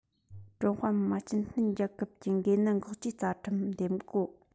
ཀྲུང ཧྭ མི དམངས སྤྱི མཐུན རྒྱལ ཁབ ཀྱི འགོས ནད འགོག བཅོས རྩ ཁྲིམས འདེམ བཀོད